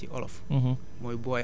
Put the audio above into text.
buñ ko bëggee tënk ci olof